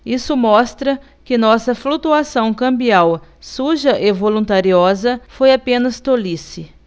isso mostra que nossa flutuação cambial suja e voluntariosa foi apenas tolice